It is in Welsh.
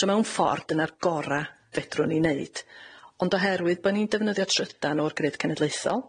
So mewn ffor, dyna'r gora fedrwn ni neud. Ond oherwydd bo' ni'n defnyddio trydan o'r Grid Cenedlaethol,